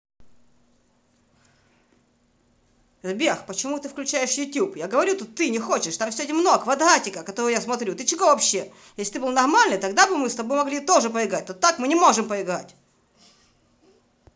сбер почему ты включаешь youtube а я говорю тут ты не хочешь там все темно квадратика которую я смотрю ты чего вообще если ты был нормальным тогда бы мы с тобой могли тоже поиграть но так мы не можем поиграть